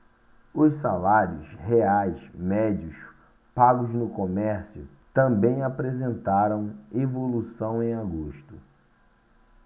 os salários reais médios pagos no comércio também apresentaram evolução em agosto